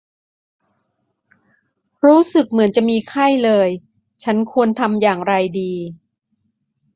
รู้สึกเหมือนจะมีไข้เลยฉันควรทำอย่างไรดี